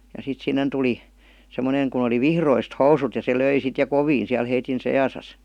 ja sitten sinne tuli semmoinen kun oli vihdoista housut ja se löi sitten ja kovin siellä heidän seassaan